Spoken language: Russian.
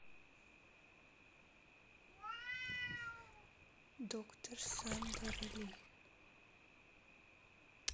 доктор сандра ли